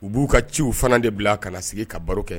U b'u ka ciw fana de bila ka na sigi ka baro kɛ